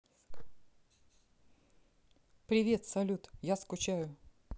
привет салют я скучаю